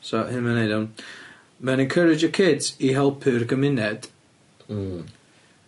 So hyn mae'n neud iawn mae'n encourajio kids i helpu'r gymuned. Hmm.